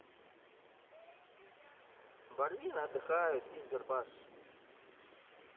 barvina отдыхают избербаш